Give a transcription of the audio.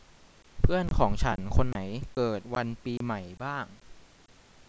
เพื่อนของฉันคนไหนเกิดวันปีใหม่บ้าง